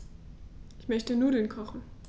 Ich möchte Nudeln kochen.